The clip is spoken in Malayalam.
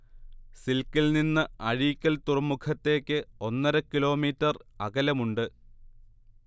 സിൽക്കിൽനിന്ന് അഴീക്കൽ തുറമുഖത്തേക്ക് ഒന്നര കിലോമീറ്റർ അകലമുണ്ട്